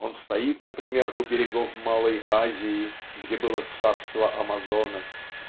Он стоит, например, у берегов Малой Азии, где было царство Амазонок: .